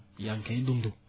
yaa ngi koy dund